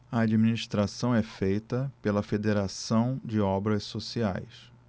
a administração é feita pela fos federação de obras sociais